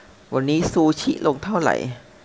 วันนี้ซูชิลงเท่าไหร่